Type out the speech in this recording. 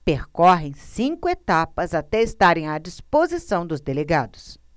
percorrem cinco etapas até estarem à disposição dos delegados